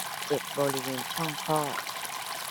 เจ็บบริเวณช่องคลอด